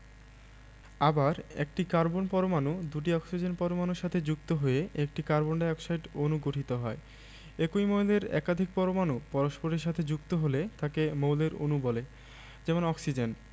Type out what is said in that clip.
আবার একটি কার্বন পরমাণু দুটি অক্সিজেন পরমাণুর সাথে যুক্ত হয়ে একটি কার্বন ডাই অক্সাইড অণু গঠিত হয় একই মৌলের একাধিক পরমাণু পরস্পরের সাথে যুক্ত হলে তাকে মৌলের অণু বলে যেমন অক্সিজেন